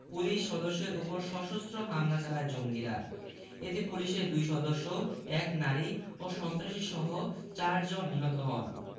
police সদস্যদের ওপর সশস্ত্র হামলা চালায় জঙ্গিরা এতে পুলিশের দুই সদস্য এক নারী ও সন্ত্রাসীসহ চারজন নিহত হন